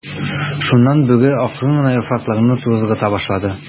Шуннан Бүре акрын гына яфракларны тузгыта башлады.